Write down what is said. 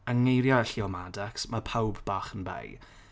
Yng ngeiriau Llio Maddox mae pawb bach yn bi.